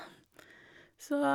Så...